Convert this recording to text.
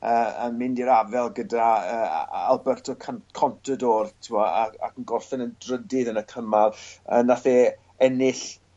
yy yn mynd i'r afel gyda yy Alberto Cyn- Contador t'mod a- ac yn gorffen yn drydydd yn y cymal yy nath e ennill